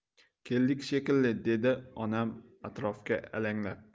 keldik shekilli dedi onam atrofga alanglab